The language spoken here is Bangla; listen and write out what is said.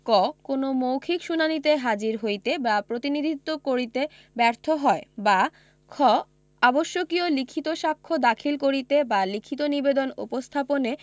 ক কোন মৌখিক শুনানীতে হাজির হইতে বা প্রতিনিধিত্ব করিতে ব্যর্থ হয় বা খ আবশ্যকীয় লিখিত সাক্ষ্য দাখিল করিতে বা লিখিত নিবেদন উপস্থাপনে